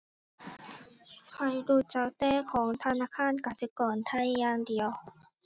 ข้อยรู้จักแต่ของธนาคารกสิกรไทยอย่างเดียว